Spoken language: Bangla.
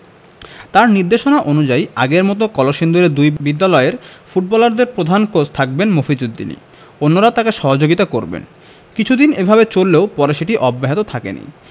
তাঁর নির্দেশনা অনুযায়ী আগের মতো কলসিন্দুরের দুই বিদ্যালয়ের ফুটবলারদের প্রধান কোচ থাকবেন মফিজ উদ্দিনই অন্যরা তাঁকে সহযোগিতা করবেন কিছুদিন এভাবে চললেও পরে সেটি অব্যাহত থাকেনি